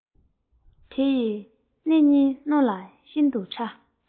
དེ ཡི སྣེ གཉིས རྣོ ལ ཤིན ཏུ ཕྲ